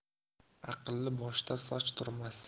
aqlli boshda soch turmas